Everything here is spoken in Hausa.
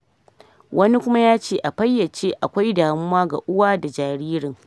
wani kuma yace: “A faiyace akwai damuwa ga uwa da jaririn.